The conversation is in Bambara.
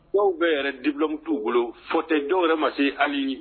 Cɛw bɛ yɛrɛ dibilaw t'u bolo fɔ tɛ dɔw yɛrɛ ma se hali ye